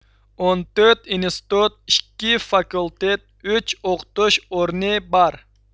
ئون تۆت ئىنستىتۇت ئىككى فاكۇلتېت ئۈچ ئوقۇتۇش ئورنى بار